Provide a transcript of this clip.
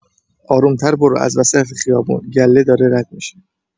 آروم‌تر برو از وسط خیابون گله داره رد می‌شه